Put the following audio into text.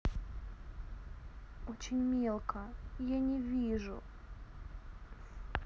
очень мелко я не вижу